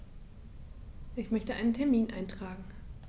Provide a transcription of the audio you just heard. Ich möchte einen Termin eintragen.